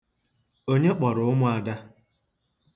Onye kpọrọ ụmụada?